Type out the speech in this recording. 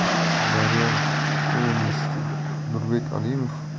daryo kolumnisti nurbek alimov